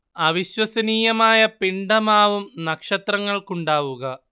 അവിശ്വസനീയമായ പിണ്ഡമാവും നക്ഷത്രങ്ങൾക്കുണ്ടാവുക